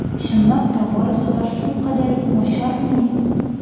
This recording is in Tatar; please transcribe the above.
Чынлап та барысы да шулкадәр үк начармыни?